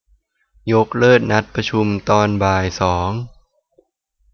ยกเลิกนัดประชุมตอนบ่ายสอง